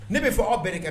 Ne bɛ fɔ aw bɛɛ kɛ